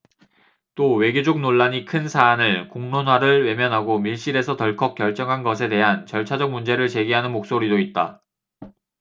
또 외교적 논란이 큰 사안을 공론화를 외면하고 밀실에서 덜컥 결정한 것에 대한 절차적 문제를 제기하는 목소리도 있다